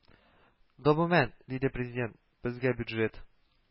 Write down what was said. Гомумән, диде Президент, бездә бюджет